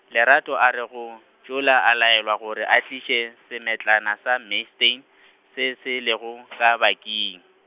Lerato a re go tšola, a laelwa gore a tliše semetlana sa Mainstay, se se lego , ka baking.